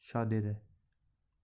shod edi